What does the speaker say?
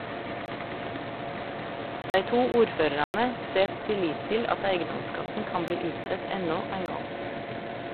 Dei to ordførarane set si lit til at eigedomsskatten kan bli utsett enno ein gong.